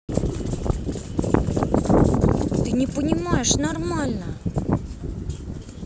ты не понимаешь нормально